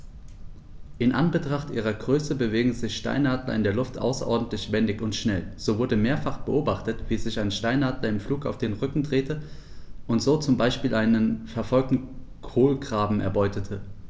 In Anbetracht ihrer Größe bewegen sich Steinadler in der Luft außerordentlich wendig und schnell, so wurde mehrfach beobachtet, wie sich ein Steinadler im Flug auf den Rücken drehte und so zum Beispiel einen verfolgenden Kolkraben erbeutete.